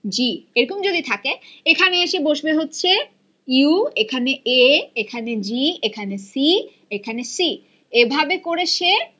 জি এরকম যদি থাকে এখানে এসে বসবে হচ্ছে ইউ এখানে এ এখানে জি এখানে সি এখানে সি এভাবে করে সে